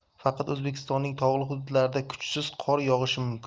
faqat o'zbekistonning tog'li hududlarida kuchsiz qor yog'ishi mumkin